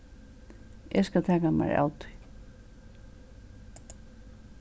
eg skal taka mær av tí